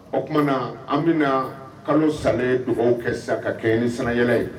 O tumana an bɛna na kalo salen dugawu kɛ sa ka kɛɲɛ ni sannayɛlɛn ye